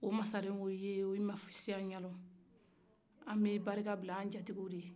o masaren olu tɛ siran ɲɛdɔn nbɛ barika bila an jati o ye